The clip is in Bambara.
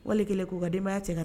Wale kɛlen k'a denbaya'a cɛ ka